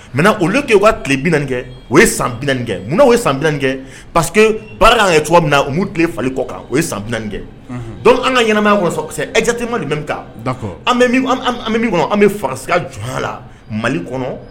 Mɛ olu tɛ yen ka tile bi kɛ o ye san kɛ n'o ye san kɛ parce barikakan ye cogo min na u tile falen kɔ kan o ye san kɛ dɔn an ka ɲɛnaɛnɛma kɔnɔ sɔrɔ ka ɛ jatetema de bɛ bɛ taa an bɛ fasiya jɔn la mali kɔnɔ